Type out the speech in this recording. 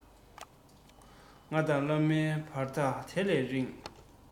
ང དང བླ མའི བར ཐག དེ ལས རིང